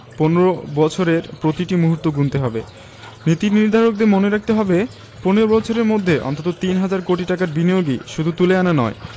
১৫ বছরের প্রতিটি মুহূর্ত গুনতে হবে নীতিনির্ধারকদের মনে রাখতে হবে ১৫ বছরের মধ্যে অন্তত তিন হাজার কোটি টাকার বিনিয়োগই শুধু তুলে আনা নয়